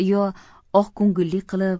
yo oqko'ngillik qilib